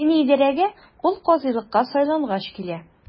Дини идарәгә ул казыйлыкка сайлангач килә.